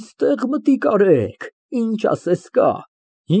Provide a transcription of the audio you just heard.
Այստեղ մտիկ արեք, ինչ ասես կա։